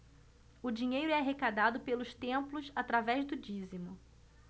o dinheiro é arrecadado pelos templos através do dízimo